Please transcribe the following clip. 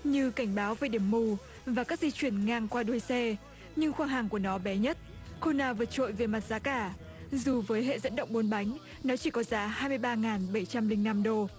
như cảnh báo về điểm mù và các di chuyển ngang qua đuôi xe nhưng khoa hàng của nó bé nhất cô na vượt trội về mặt giá cả dù với hệ dẫn động bốn bánh nó chỉ có giá hai mươi ba ngàn bảy trăm linh năm đô